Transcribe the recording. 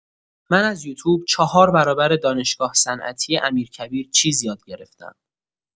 من از یوتوب چهار برابر دانشگاه صنعتی امیرکبیر چیز یاد گرفتم.